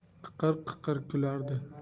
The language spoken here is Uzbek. qiqir qiqir kulardi